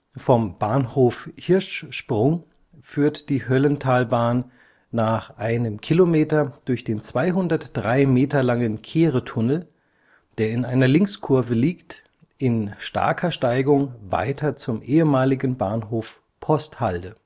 Vom Bahnhof Hirschsprung führt die Höllentalbahn nach einem Kilometer durch den 203 Meter langen Kehretunnel, der in einer Linkskurve liegt, in starker Steigung weiter zum ehemaligen Bahnhof Posthalde